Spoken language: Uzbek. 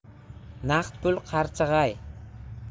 naqd pul qarchig'ay